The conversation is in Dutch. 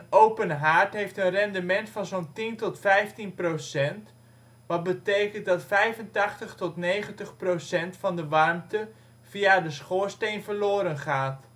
open haard heeft een rendement van zo 'n 10 tot 15 %, wat betekent dat 85 tot 90 % van de warmte via de schoorsteen verloren gaat